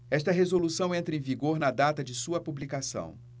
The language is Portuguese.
esta resolução entra em vigor na data de sua publicação